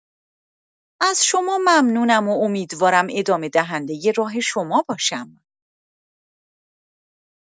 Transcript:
از شما ممنونم و امیدوارم ادامه‌دهندۀ راه شما باشم.